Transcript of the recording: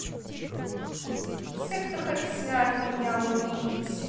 те кто хотят меня убить